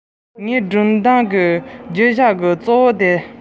མོས གོ བ ལོན མི སྲིད